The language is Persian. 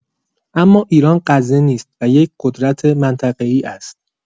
اما ایران غزه نیست و یک قدرت منطقه‌ای است.